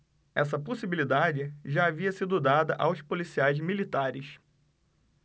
essa possibilidade já havia sido dada aos policiais militares